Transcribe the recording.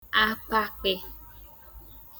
àkpàkpị